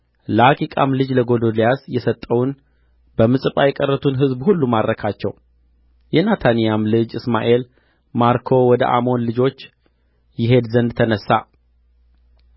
ለአኪቃም ልጅ ለጎዶልያስ የሰጠውን በምጽጳ የቀሩትን ሕዝብ ሁሉ ማረካቸው የናታንያም ልጅ እስማኤል ማርኮ ወደ አሞን ልጆች ይሄድ ዘንድ ተነሣ